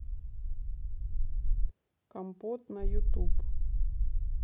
компот на ютуб